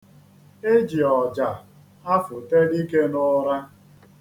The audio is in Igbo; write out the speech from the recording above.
E ji ọja afụte dike n'ụra.